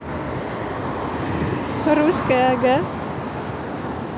русская ага